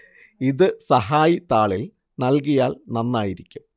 ഇത് സഹായി താളിൽ നൽകിയാൽ നന്നായിരിക്കും